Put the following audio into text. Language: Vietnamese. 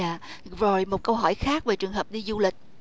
dạ và một câu hỏi khác về trường hợp đi du lịch